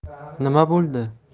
nima bo'ldi